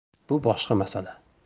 bu boshqa masala